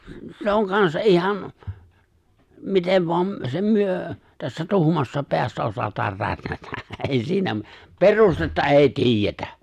se on kanssa ihan miten vain sen me tässä tuhmassa päässä osataan rätnätä ei siinä perustetta ei tiedetä